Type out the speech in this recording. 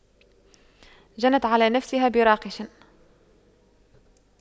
جنت على نفسها براقش